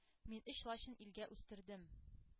Мин өч лачын илгә үстердем.